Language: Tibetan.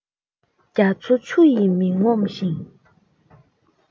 རྒྱ མཚོ ཆུ ཡིས མི ངོམས ཤིང